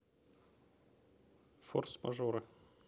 форс мажоры